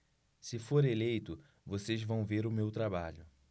se for eleito vocês vão ver o meu trabalho